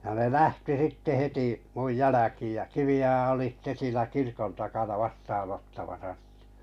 ja ne lähti sitten heti minun jälkiin ja Kivioja oli sitten siinä kirkon takana vastaanottamassa sitä